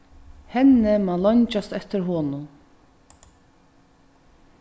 henni man leingjast eftir honum